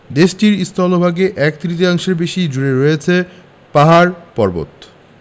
দেশটির স্থলভাগে এক তৃতীয়াংশের বেশি জুড়ে রয়ছে পাহাড় পর্বত